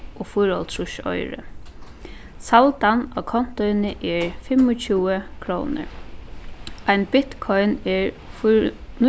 og fýraoghálvtrýss oyru saldan á kontoini er fimmogtjúgu krónur ein bitcoin er